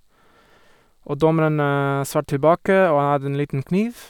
Og dommeren svarte tilbake, og han hadde en liten kniv.